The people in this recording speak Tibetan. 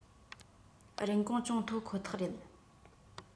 རིན གོང ཅུང མཐོ ཁོ ཐག རེད